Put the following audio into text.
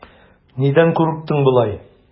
Нидән курыктың болай?